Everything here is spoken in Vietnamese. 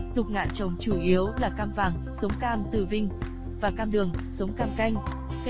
lục ngạn trồng chủ yếu là cam vàng